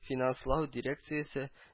Финанслау дирекциясе”